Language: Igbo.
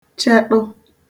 cheṭụ